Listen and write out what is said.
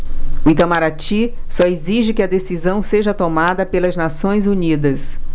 o itamaraty só exige que a decisão seja tomada pelas nações unidas